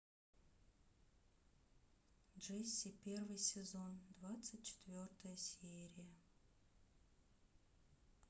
джесси первый сезон двадцать четвертая серия